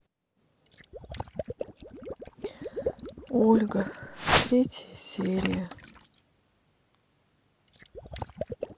ольга третья серия